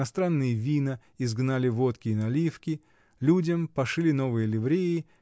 иностранные вина изгнали водки и наливки людям пошили новые ливреи